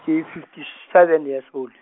ke fifty seven years old.